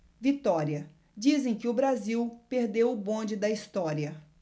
vitória dizem que o brasil perdeu o bonde da história